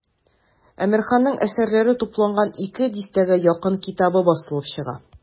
Әмирханның әсәрләре тупланган ике дистәгә якын китабы басылып чыга.